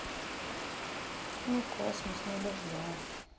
не космос не люблю